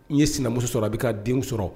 N ye sinamuso sɔrɔ a i bɛ ka den sɔrɔ